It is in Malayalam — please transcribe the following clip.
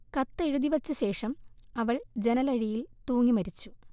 കത്തെഴുതി വച്ച ശേഷം അവൾ ജനലഴിയിൽ തൂങ്ങി മരിച്ചു